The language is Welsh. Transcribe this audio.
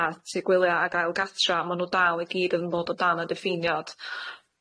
a tŷ gwylia' ag ail gatra' ma' nw dal i gyd yn bod o dan y diffiniad.